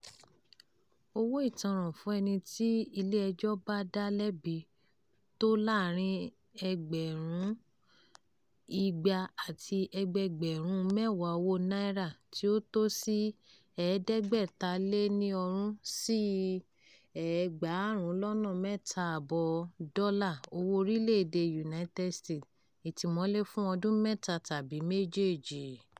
Owó ìtanràn fún ẹni tí ilé ẹjọ́ bá dá lẹ́bi tó láàárín ẹgbẹ̀rún 200 àti ẹgbẹẹgbẹ̀rún 10 owó naira [tí ó tó $556 sí $28,000 owó orílẹ̀ èdèe United States], ìtìmọ́lé fún ọdún mẹ́ta tàbí méjèèjì.